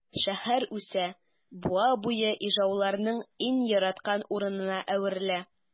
Шәһәр үсә, буа буе ижауларның иң яраткан урынына әверелә.